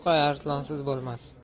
to'qay arslonsiz bo'lmas